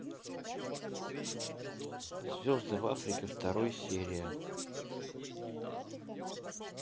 звезды в африке второй серия